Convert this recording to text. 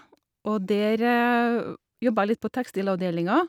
Og der jobba jeg litt på tekstilavdelinga.